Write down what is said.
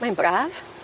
Mae'n braf.